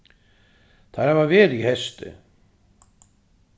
teir hava verið í hesti